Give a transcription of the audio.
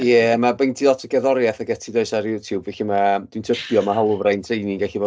Ie, a ma' ma' gen ti lot o gerddoriaeth ac ati does ar YouTube felly ma, dwi'n tybio ma' hawlfraint rheini'n gallu bod...